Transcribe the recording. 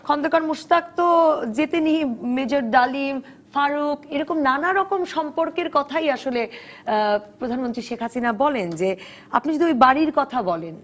খন্দকার মোশতাক জেতেনি মেজর ডালিম ফারুক এরকম নানা রকম সম্পর্কের কথাই আসলে প্রধানমন্ত্রী শেখ হাসিনা বলেন যে আপনি যদি ওই বাড়ির কথা বলেন